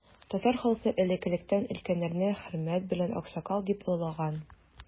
Татар халкы элек-электән өлкәннәрне хөрмәт белән аксакал дип олылаган.